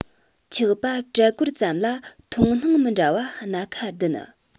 འཁྱག པ ཀྲད ཀོར ཙམ ལ མཐོང སྣང མི འདྲ བ སྣ ཁ བདུན